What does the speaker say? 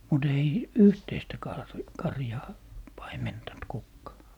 mutta ei yhteistä - karjaa paimentanut kukaan